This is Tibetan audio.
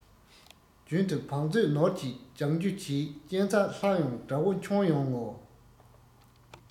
རྒྱུན དུ བང མཛོད ནོར གྱིས བརྒྱང རྒྱུ གྱིས རྐྱེན རྩ ལྷག ཡོང དགྲ བོ མཆོངས ཡོང ངོ